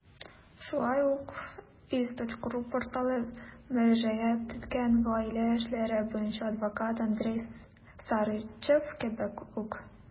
Шулай ук iz.ru порталы мөрәҗәгать иткән гаилә эшләре буенча адвокат Андрей Сарычев кебек үк.